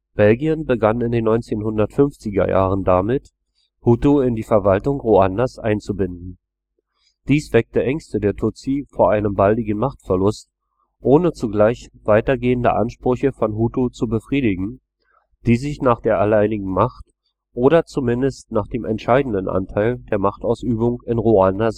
Belgien begann in den 1950er Jahren damit, Hutu in die Verwaltung Ruandas einzubinden. Dies weckte Ängste der Tutsi vor einem baldigen Machtverlust, ohne zugleich weitergehende Ansprüche von Hutu zu befriedigen, die sich nach der alleinigen Macht oder zumindest nach dem entscheidenden Anteil der Machtausübung in Ruanda